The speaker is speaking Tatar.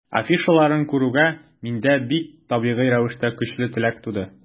Афишаларын күрүгә, миндә бик табигый рәвештә көчле теләк туды.